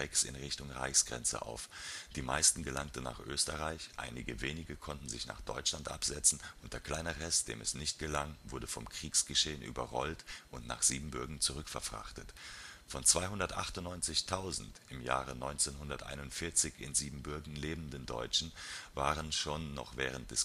Richtung Reichsgrenze auf. Die meisten gelangten nach Österreich, einige wenige konnten sich nach Deutschland absetzen und der kleine Rest, dem dies nicht gelang, wurde vom Kriegsgeschehen überrollt und nach Siebenbürgen zurückverfrachtet. Von 298.000 im Jahre 1941 in Siebenbürgen lebenden Deutschen waren schon noch während